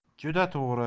juda to'g'ri